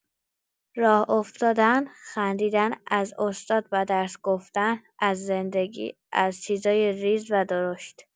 راه افتادن، خندیدن، از استاد و درس گفتن، از زندگی، از چیزای ریز و درشت.